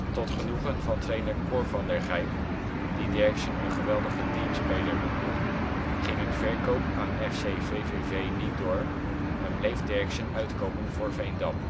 Tot genoegen van trainer Cor van der Gijp, die Derksen een geweldige teamspeler noemde, ging een verkoop aan FC VVV niet door en bleef Derksen uitkomen voor Veendam